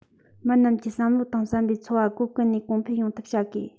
མི རྣམས ཀྱི བསམ བློ དང བསམ པའི འཚོ བ སྒོ ཀུན ནས གོང འཕེལ ཡོང ཐབས བྱ དགོས